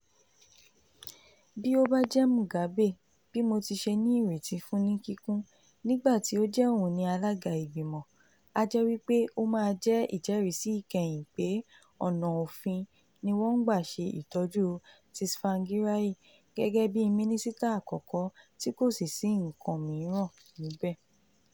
Bí ó bá jẹ́ Mugabe, bí mo ti ṣe ní ìrètí fún ní kíkún, nígbà tí ó jẹ́ òun ni alága ìgbìmọ̀, á jẹ́ wí pé ó máa jẹ́ ìjẹ́rísí ìkẹyìn pé ọ̀nà òfin ni wọ́n ń gbà ṣe ìtọ́jú Tsavangirai gẹ́gẹ́ bí Mínísítà àkọ́kọ́ tí kò sì sí nǹkan mìíràn níbẹ̀.